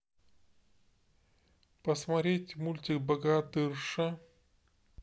посмотреть мультик богатырша